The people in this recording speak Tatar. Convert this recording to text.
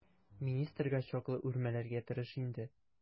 Министрга чаклы үрмәләргә тырыш инде.